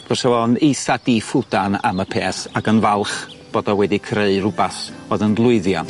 bysa fo'n eitha diffwdan am y peth ag yn falch bod o wedi creu rwbath o'dd yn lwyddiant.